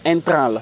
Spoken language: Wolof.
intrant la